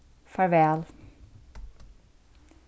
farvæl